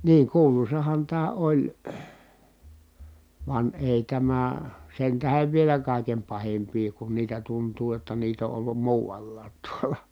niin kuuluisahan tämä oli vaan ei tämä sen tähden vielä kaiken pahimpia kun niitä tuntuu jotta niitä on ollut muualla tuolla